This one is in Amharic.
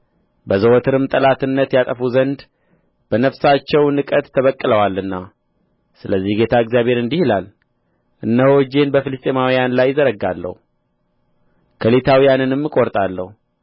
በዘወትርም ጠላትነት ያጠፉ ዘንድ በነፍሳቸው ንቀት ተበቅለዋልና ስለዚህ ጌታ እግዚአብሔር እንዲህ ይላል እነሆ እጄን በፍልስጥኤማውያን ላይ እዘረጋለሁ ከሊታውያንንም እቈርጣለሁ